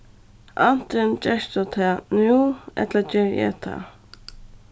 antin gert tú tað nú ella geri eg tað